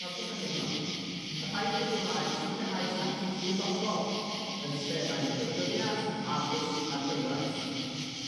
gwrandwch ar hyn rŵan, ma' rhaid i'r Gymraeg sicrhau statws swyddogol yn sferau gwleidyddiath, addysg a'r gyfraith.